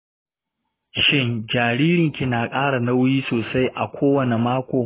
shin jaririn ki na ƙara nauyi sosai a kowane mako?